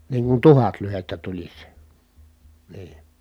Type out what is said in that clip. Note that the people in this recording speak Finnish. niin kuin tuhat lyhdettä tulisi niin